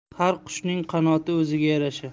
har qushning qanoti o'ziga yarasha